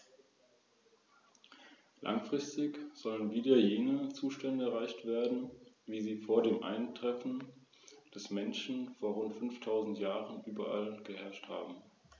Damit beherrschte Rom den gesamten Mittelmeerraum.